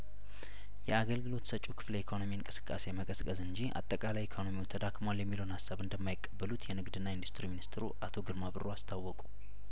የአገልግሎት ሰጪው ከፍለኢኮኖሚ እንቅስቃሴ መ ቀዝቀዝ እንጂ አጠቃላይ ኢኮኖሚው ተዳክሟል የሚለውን ሀሳብ እንደማይቀበሉት የንግድና ኢንዱስትሪ ሚኒስትሩ አቶ ግርማ ብሩ አስታወቁ